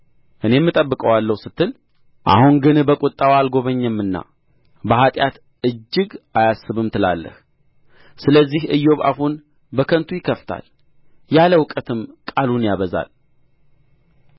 እኔም አጠብቀዋለሁ ስትል አሁን ግን በቍጣው አልጐበኘምና በኃጢአት እጅግ አያስብም ትላለህ ስለዚህ ኢዮብ አፉን በከንቱ ይከፍታል ያለ እውቀትም ቃሉን ያበዛል